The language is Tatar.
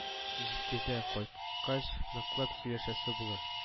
Җиткезә, кайткач, ныклап сөйләшәсе булыр